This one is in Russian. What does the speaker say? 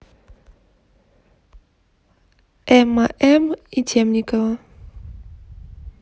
эмма м и темникова